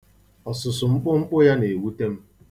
Ọsụsụ mkpụmkpụ ya na-ewute m.